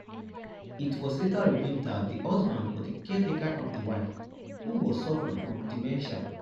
It was later revealed that the husband was the caretaker of the wife, who was suffering from dementia.